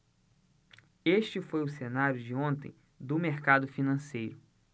este foi o cenário de ontem do mercado financeiro